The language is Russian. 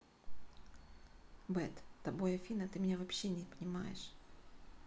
bad тобой афина ты меня вообще не понимаешь